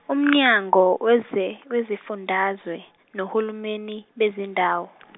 uMnyango weze, weziFundazwe noHulumeni bezindawo.